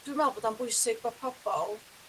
dwi meddwl bod o'n bwysig bo' pobol